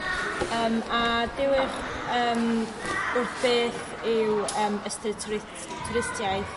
Yym a be' yw 'ych yym wrth beth yw yym ystyr twrist- twristiaeth